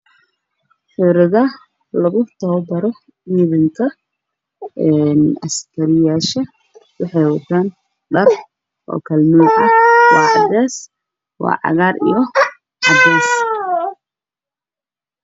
Waa meesha lagu tababara askarta askarta waxay wataan isku ag oo ah cagaar iyo cad caddeys